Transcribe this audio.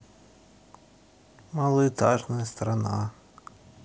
малоэтажная страна